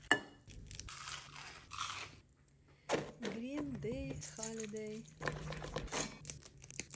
green day holiday